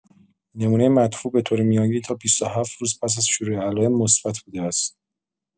نمونه مدفوع به‌طور میانگین تا ۲۷ روز پس‌از شروع علائم مثبت بوده است.